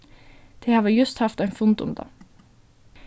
tey hava júst havt ein fund um tað